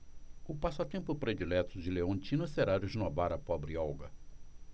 o passatempo predileto de leontina será esnobar a pobre olga